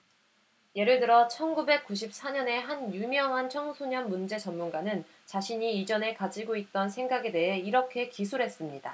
예를 들어 천 구백 구십 사 년에 한 유명한 청소년 문제 전문가는 자신이 이전에 가지고 있던 생각에 대해 이렇게 기술했습니다